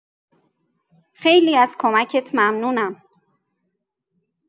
خیلی از کمکت ممنونم.